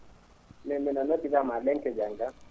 min mbi?a noddira maa Lenkejanka